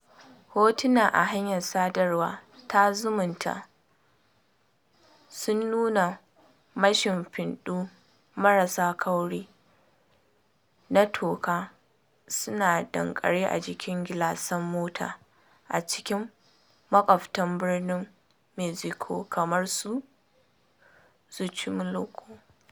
Hotuna a hanyar sadarwa ta zumunta sun nuna mashimfiɗu marasa kauri na toka suna danƙare a jikin gilasan mota a cikin makwaɓtan Birnin Mexico kamar su Xochimilco.